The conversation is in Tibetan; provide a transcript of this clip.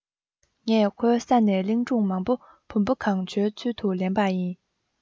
ངས ཁོའི ས ནས གླིང སྒྲུང མང པོ བུམ པ གང བྱོའི ཚུལ དུ ལེན པ ཡིན